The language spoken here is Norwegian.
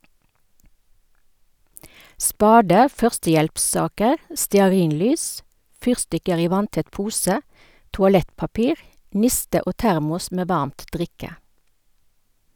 Spade, førstehjelpssaker, stearinlys, fyrstikker i vanntett pose, toalettpapir, niste og termos med varmt drikke.